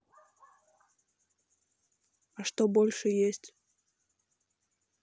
а что больше есть